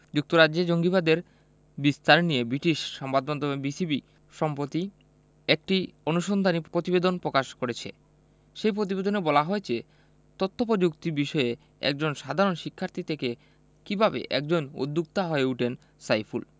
যুক্তরাজ্যে জঙ্গিবাদের বিস্তার নিয়ে ব্রিটিশ সংবাদমাধ্যম বিবিসি সম্প্রতি একটি অনুসন্ধানী প্রতিবেদন প্রকাশ করেছে সেই প্রতিবেদনে বলা হয়েছে তথ্যপ্রযুক্তি বিষয়ে একজন সাধারণ শিক্ষার্থী থেকে কীভাবে একজন উদ্যোক্তা হয়ে ওঠেন সাইফুল